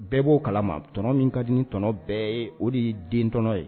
Bɛɛ b'o kalama tɔnɔ min kadi ni tɔnɔ bɛɛ ye o de ye dentɔnɔ ye